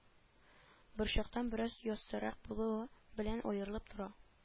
Борчактан бераз яссырак булуы белән аерылып тора